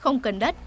không cần đất